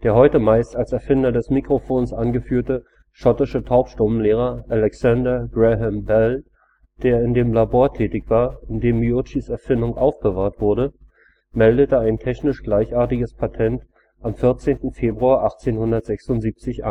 heute meistens als Erfinder des Mikrofons angeführte schottische Taubstummenlehrer Alexander Graham Bell, der in dem Labor tätig war, in dem Meuccis Erfindung aufbewahrt wurde, meldete ein technisch gleichartiges Patent am 14. Februar 1876